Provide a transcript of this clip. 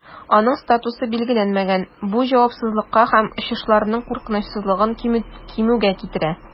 Аның статусы билгеләнмәгән, бу җавапсызлыкка һәм очышларның куркынычсызлыгын кимүгә китерә.